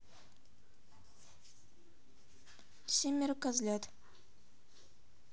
семеро козлят